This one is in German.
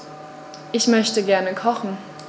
Ich möchte gerne kochen.